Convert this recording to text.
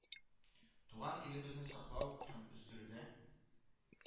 Туган илебезне саклау һәм үстерүдә